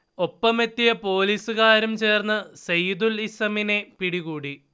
ഒപ്പമെത്തിയ പൊലീസുകാരും ചേർന്ന് സെയ്തുൽ ഇസമിനെ പിടികൂടി